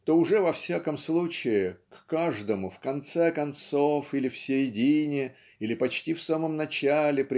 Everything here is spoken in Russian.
то уже во всяком случае к каждому в конце концов или в средине или почти в самом начале